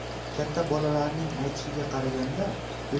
katta bolalarning aytishiga qaraganda o'sha